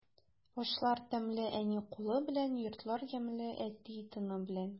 Ашлар тәмле әни кулы белән, йортлар ямьле әти тыны белән.